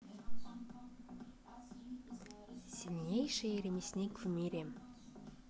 сильнейший ремесник в мире